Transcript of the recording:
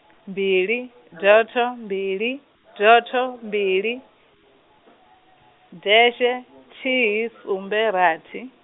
mbili dotho, mbili dotho, mbili deshe, thihi sumbe rathi.